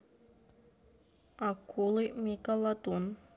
акулы мегалодон